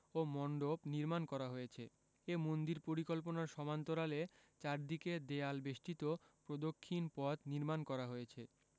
ও মন্ডপ নির্মাণ করা হয়েছে এ মন্দির পরিকল্পনার সমান্তরালে চারদিকে দেয়াল বেষ্টিত প্রদক্ষিণ পথ নির্মাণ করা হয়েছে